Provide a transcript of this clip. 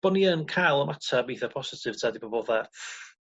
bo' ni yn ca'l ymatab itha positif 'ta di bobol fatha